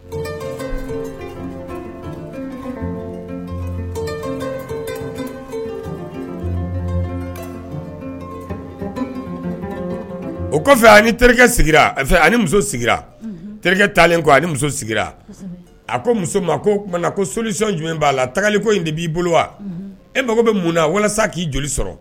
O kɔfɛ ani muso terikɛ ani muso a ko muso ko sosɔn jumɛn b'a la tagali ko in de b'i bolo wa e mako bɛ mun na walasa k'i joli sɔrɔ